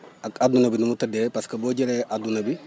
ak adduna bi nu mu tëddee parce que boo jëlee adduna bi